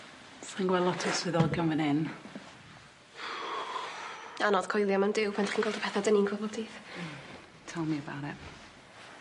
Swy'n gwel' lot o swyddogion fyn 'yn. Anodd coelio mewn Duw pan 'dych chi'n gweld y petha' 'dyn ni'n gwel' bob dydd. Hmm. Tell me abour it.